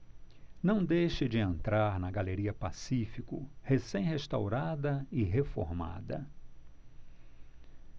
não deixe de entrar na galeria pacífico recém restaurada e reformada